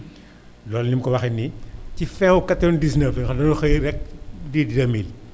loolu li mu ko waxee nii ci fin 99 yoo xam dañoo xëy rek dégg 20000